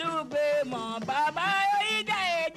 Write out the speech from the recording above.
Ɲɔ bɛ bama baba ba y kɛ